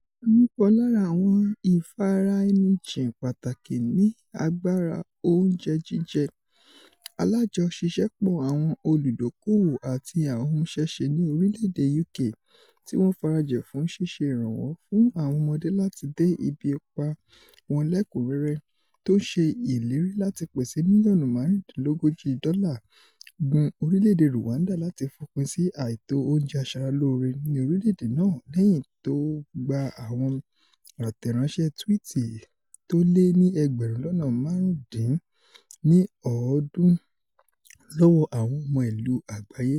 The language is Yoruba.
Àwọn kan lára àwọn ìfaraẹnijìn pàtàkì ni Agbára Oúnjẹ Jíjẹ̀, aláàjọṣiṣẹ́pọ àwọn olùdóokoòwò àti àwọn amúṣẹ́ṣe ní orílẹ̀-èdè UK tíwọ́n farajìn fún ''ṣiṣe ìrànwọ́ fún àwọn ọmọdé láti de ibi ipá wọn lẹ́ẹ̀kúnrẹ́rẹ́,'' tó ńṣe ìlérí láti pèsè mílíọnù márùndínlógójì dọ́là gún orílẹ̀-èdè Rwanda latí fòpin sí àìtó oúnjẹ aṣaralóore ní orílẹ̀-èdè náà lẹ́yìn tógba àwọn àtẹ̀ránṣẹ́ tuwiti tólé ní ẹgbẹ́rùn lọ́ná máàrún dín ní ọ̀ọ́dún lọ́wọ́ Àwọn Ọmọ Ìlú Àgbáyé.